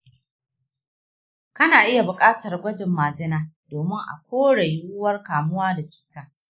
kana iya buƙatar gwajin majina domin a kore yiwuwar kamuwa da cuta.